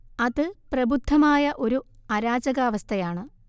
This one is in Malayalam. അത് പ്രബുദ്ധമായ ഒരു അരാജകാവസ്ഥയാണ്